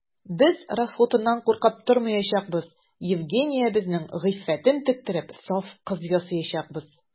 Без расхутыннан куркып тормаячакбыз: Евгениябезнең гыйффәтен тектереп, саф кыз ясаячакбыз.